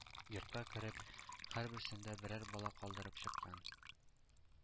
Йортка кереп, һәрберсендә берәр бала калдырып чыккан.